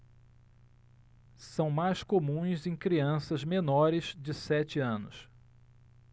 são mais comuns em crianças menores de sete anos